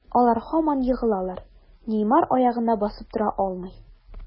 Алар һаман егылалар, Неймар аягында басып тора алмый.